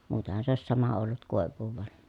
muutenhan se olisi sama ollut koivua vaan